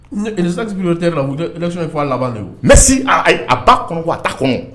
Ne initiative prioritaire la vous êtes .élection ye fɔ a laban de ye o merci aa ayi a b'a kɔnɔ wa a t'a kɔnɔ